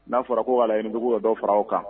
N'a fɔra ko wala ye dugu dɔ dɔw faraw kan